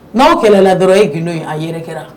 N'aw kɛlɛ la dɔrɔn ye gdo ye a yɛrɛ kɛra